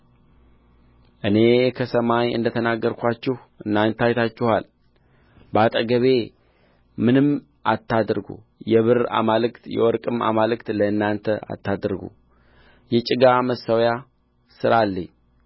እኔ ከሰማይ እንደ ተናገርኋችሁ እናንተ አይታችኋል በአጠገቤ ምንም አታድርጉ የብር አማልክት የወርቅም አማልክት ለእናንተ አታድርጉ የጭቃ መሠዊያ ሥራልኝ